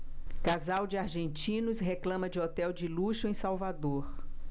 casal de argentinos reclama de hotel de luxo em salvador